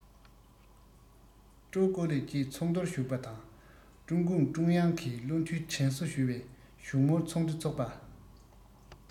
ཀྲང ཀའོ ལི བཅས ཚོགས འདུར ཞུགས པ དང ཀྲུང གུང ཀྲུང དབྱང གིས བློ མཐུན དྲན གསོ ཞུ བའི བཞུགས མོལ ཚོགས འདུ འཚོགས པ